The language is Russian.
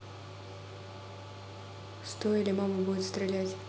стой или мама будет стрелять